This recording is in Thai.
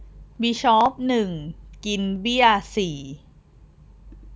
บิชอปหนึ่งกินเบี้ยสี่